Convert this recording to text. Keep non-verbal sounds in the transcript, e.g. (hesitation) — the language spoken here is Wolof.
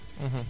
(hesitation) (hesitation)